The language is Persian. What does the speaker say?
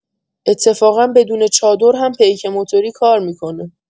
اتفاقا بدون چادر هم پیک موتوری کار می‌کنه